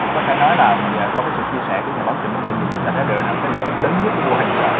có thể nói là nhờ qua cái sự chia sẻ của nhà báo trịnh bá ninh thì chúng ta thấy được cái lợi ích lớn nhất của mô hình hở